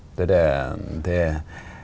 det det det.